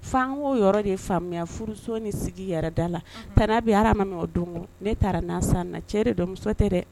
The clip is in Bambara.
F'an ko yɔrɔ de faamuya furuso ni sigi yɛrɛ da la; tane Habi hal'a ma mɛn o donko, ne taara na san na cɛ de don muso tɛ dɛ